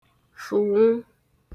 fùnwu